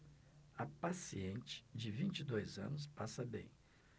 a paciente de vinte e dois anos passa bem